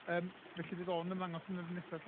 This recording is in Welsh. Yym felly fydd o'n ymddangos yn yr un nesaf ella?